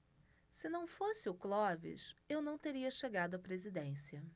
se não fosse o clóvis eu não teria chegado à presidência